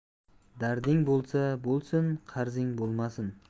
darding bo'lsa bo'lsin qarzing bo'lmasin